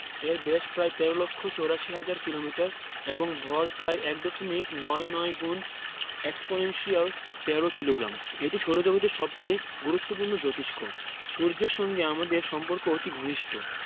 এর ব্যাস প্রায় ১৩ লক্ষ ৮৪ হাজার কিলোমিটার এবং ভর প্রায় এক দশমিক নয় নয় এক্সপনেনশিয়াল ১৩ কিলোগ্রাম এটি সৌরজগতের সবচেয়ে গুরুত্বপূর্ণ জোতিষ্ক সূর্যের সঙ্গে আমাদের সম্পর্ক অতি ঘনিষ্ট